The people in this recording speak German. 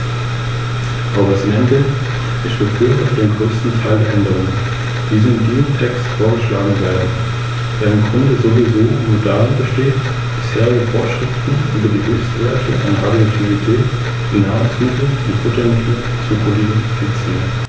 Zu dieser Verbrauchergruppe gehören vor allem Klein- und Mittelbetriebe, Händler und Familienunternehmen, und über EU-Instrumente, die Klein- und Mittelbetriebe finanziell unterstützen sollen, wurde gerade in dieser Sitzungsperiode diskutiert.